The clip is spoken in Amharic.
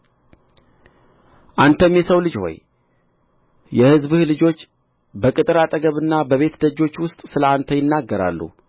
አንተም የሰው ልጅ ሆይ የሕዝብህ ልጆች በቅጥር አጠገብና በቤት ደጆች ውስጥ ስለ አንተ ይናገራሉ